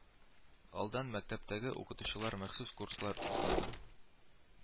Алдан мәктәптәге укытучылар махсус курслар узганнар